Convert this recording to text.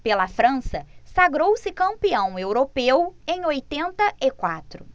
pela frança sagrou-se campeão europeu em oitenta e quatro